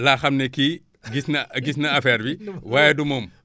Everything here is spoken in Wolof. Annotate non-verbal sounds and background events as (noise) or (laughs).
laa xam ne kii (laughs) gis na gis na affaire bi waaye du moom